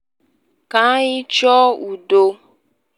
Ka anyị chọọ udo.